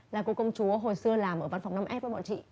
là cô công chúa hồi xưa làm ở văn phòng năm ét với bọn chị